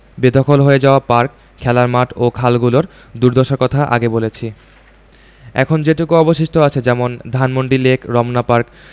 বেদখল হয়ে যাওয়া পার্ক খেলার মাঠ ও খালগুলোর দুর্দশার কথা আগে বলেছি এখন যেটুকু অবশিষ্ট আছে যেমন ধানমন্ডি লেক রমনা পার্ক